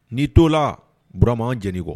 N'i t' o la Burama, anw jɛn n'i kɔ.